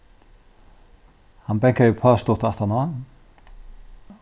hann bankaði uppá stutt aftaná